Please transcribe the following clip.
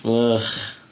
Ych!